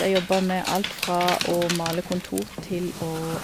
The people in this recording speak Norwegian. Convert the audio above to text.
Jeg jobba med alt fra å male kontor til å...